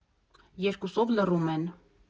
Երկուսով լռում են։